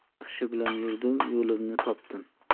yaxshi bilan yurdim yo'limni topdim